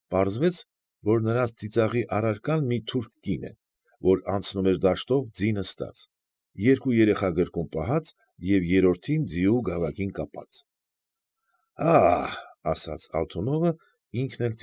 Պարզվեց, որ նրանց ծիծաղի առարկան մի թուրք կին է, որ անցնում էր դաշտով ձի նստած, երկու երեխա գրկում պահած և երրորդին ձիու գավակին կապած։ ֊ Ա՜հ,֊ ասաց Ալթունովը, ինքն էլ։